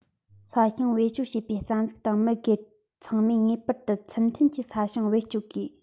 ས ཞིང བེད སྤྱོད བྱེད པའི རྩ འཛུགས དང མི སྒེར ཚང མས ངེས པར དུ ཚུལ མཐུན གྱིས ས ཞིང བེད སྤྱོད དགོས